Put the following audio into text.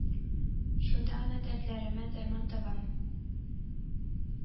Шунда гына дәртләремә дәрман табам